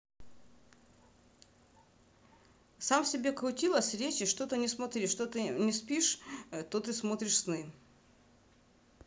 сам себе крутилось речи что то не смотри что ты не спишь то ты смотришь сны